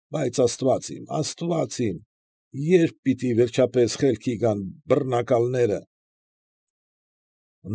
Բայց, աստված իմ, աստված իմ, ե՞րբ պիտի վերջապես խելքի գան բռնակալները։